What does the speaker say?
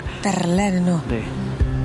Berlen 'yn nw. Yndi.